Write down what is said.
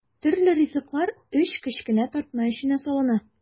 Төрле ризыклар өч кечкенә тартма эченә салына.